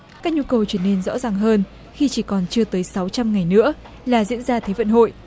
các nhu cầu trở nên rõ ràng hơn khi chỉ còn chưa tới sáu trăm ngày nữa là diễn ra thế vận hội